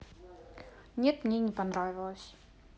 нет мне не понравилось